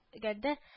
Әндә